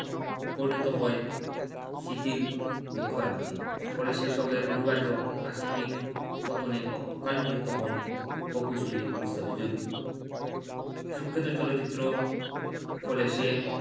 পরিণত হয় শিথিল বৃক্ষরাজিতে ফলে সে সবের অনিবার্য আকস্মিক পতনে অকালে নিহত হন প্রকৌশলী মোস্তাফিজুর সুখ্যাত চলচ্চিত্র ফলে সে